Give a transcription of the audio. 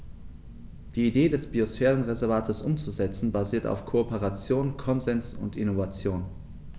Die Idee des Biosphärenreservates umzusetzen, basiert auf Kooperation, Konsens und Innovation.